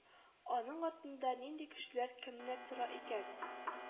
Аның артында нинди көчләр кемнәр тора икән